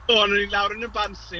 O'n i lawr yn y'n bants i.